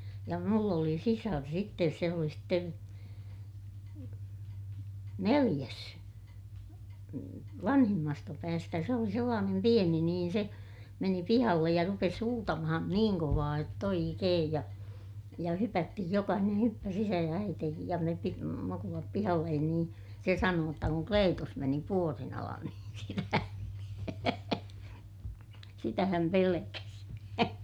ja minulla oli sisar sitten se oli sitten neljäs vanhimmasta päästä se oli sellainen pieni niin se meni pihalle ja rupesi huutamaan niin kovaa jotta oikein ja ja hypättiin jokainen hyppäsi isä ja äitikin ja me - mukulat pihalle niin se sanoi jotta kun Kleetus meni puodin alle niin sitä hän - sitä hän pelkäsi